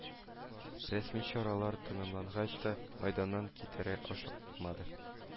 Рәсми чаралар тәмамлангач та мәйданнан китәргә ашыкмады